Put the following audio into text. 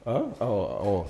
Aa